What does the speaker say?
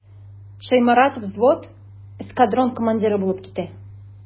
Шәйморатов взвод, эскадрон командиры булып китә.